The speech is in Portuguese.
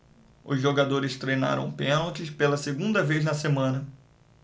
os jogadores treinaram pênaltis pela segunda vez na semana